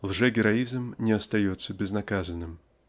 лжегероизм не остается безнаказанным.